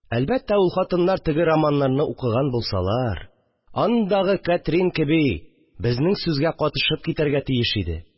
Әлбәттә, ул хатыннар теге романнарны укыган булсалар, андагы Катрин кеби, безнең сүзгә катышып китәргә тиеш иде